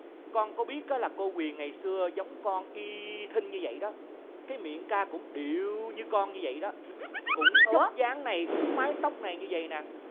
con có biết á là cô quyền ngày xưa giống con y thinh như vậy đó cái miệng ca cũng điệu như con như vậy đó cũng vóc dáng này cũng mái tóc này như vậy nè